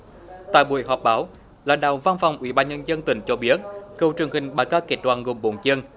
tại buổi họp báo lãnh đạo văn phòng ủy ban nhân dân tỉnh cho biết cầu truyền hình bài ca kết đoàn gồm bốn chương